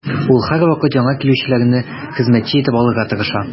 Ул һәрвакыт яңа килүчеләрне хезмәтче итеп алырга тырыша.